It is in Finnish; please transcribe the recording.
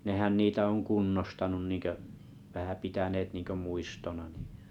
nehän niitä on kunnostanut niin kuin vähän pitäneet niin kuin muistona niin